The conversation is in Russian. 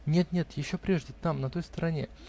-- Нет, нет, еще прежде, там, на той стороне.